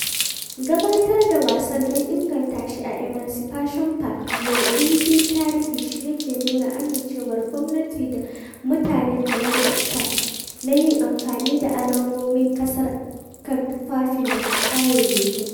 Gabatar da wasan don inganta shi a Emancipation Park mai ɗumbin tarihi shi yake nuna amincewar gwamnati da mutanen Jamaika na yin amfani da alamomin ƙasar a kan tufafin da kayayyakin.